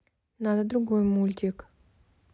надо другой мультик